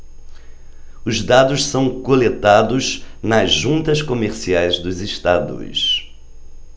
os dados são coletados nas juntas comerciais dos estados